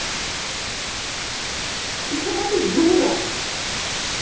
ты сама ты дура